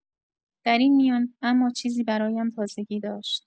در این میان اما چیزی برایم تازگی داشت.